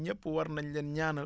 ñëpp war nañ leen ñaanal